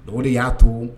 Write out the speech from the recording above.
Don o de y'a to